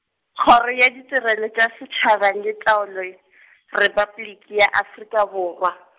Kgoro ya Ditirelo tša Setšhaba le Taolo , Repabliki ya Afrika Borwa.